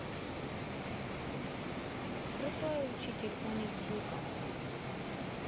крутой учитель онидзука